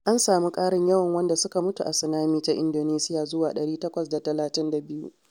An sami ƙarin yawan wanda suka mutu a tsunami ta Indonesiya zuwa 832